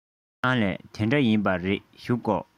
ཨ ལས དེ འདྲ ཡིན པ རེད བཞུགས དགོ